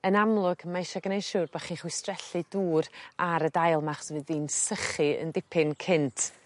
yn amlwg mae isio gneu' siwr bo' chi' chwistrellu dŵr ar y dail 'ma 'chos mi 'dd 'i'n sychu yn dipyn cynt.